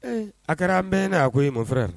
Un. A kɛra an bɛɛ ɲa na yana koyi mon frère